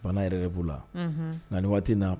Bana yɛrɛ b'u la na waati na